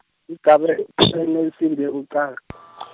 Igabence insimbi yekucala .